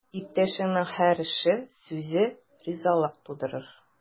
Иптәшеңнең һәр эше, сүзе ризалык тудырыр.